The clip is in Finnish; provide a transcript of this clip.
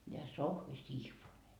ja Sohvi Sihvonen